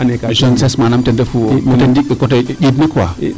zone seche manaam ten refu coté njiind ne quoi